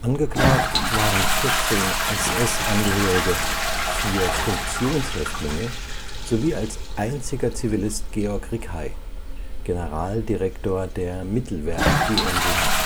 Angeklagt waren 14 SS-Angehörige, vier Funktionshäftlinge sowie als einziger Zivilist Georg Rickhey, Generaldirektor der Mittelwerk GmbH.